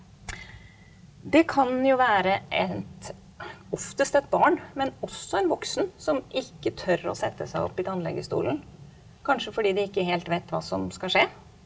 det kan jo være et oftest et barn men også en voksen som ikke tør å sette seg opp i tannlegestolen, kanskje fordi de ikke helt vet hva som skal skje.